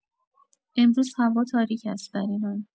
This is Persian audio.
امروز هوا تاریک است در ایران